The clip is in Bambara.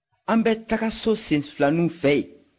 an bɛ taga sosenfilaninw fɛ yen